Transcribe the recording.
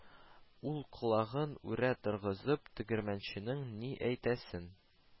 Ул, колагын үрә торгызып, тегермәнченең ни әйтәсен